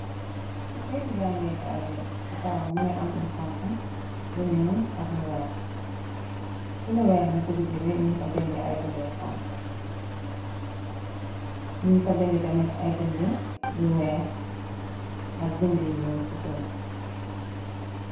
su kayti jangee ki ay bin ti kawan na nga am la xonkon luñuon at lu weex ci lu weexla ci digbe bnd xoñul fa bendi tamet ay binde yu weex ak bind y yoon ci sun.